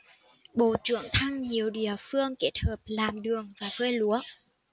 bộ trưởng thăng nhiều địa phương kết hợp làm đường và phơi lúa